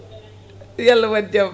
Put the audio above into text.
yo Allah waat jaam